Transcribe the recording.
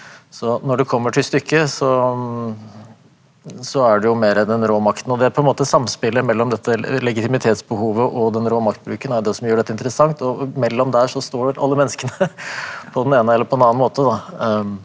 så når det kommer til stykket så så er det jo mere den rå makten og det er på en måte samspillet mellom dette legitimitetsbehovet og den rå maktbruken er det som gjør dette interessant og mellom der så står det alle menneskene på den ene eller på den annen måte da .